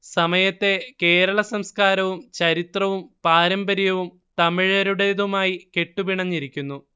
സമയത്തെ കേരള സംസ്കാരവും ചരിത്രവും പാരമ്പര്യവും തമിഴരുടേതുമായി കെട്ടുപിണഞ്ഞിരിക്കുന്നു